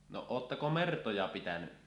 no oletteko mertoja pitänyt